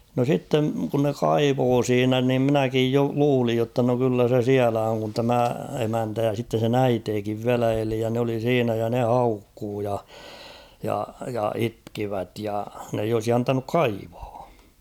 no sitten kun ne kaivoi siinä niin minäkin jo luulin jotta no kyllä se siellä on kun tämä emäntä ja sitten sen äitikin vielä eli ja ne oli siinä ja ne haukkui ja ja ja itkivät ja ne ei olisi antanut kaivaa